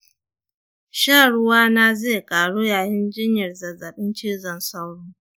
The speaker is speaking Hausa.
shan ruwana zai karu yayin jinyar zazzaɓin cizon sauro.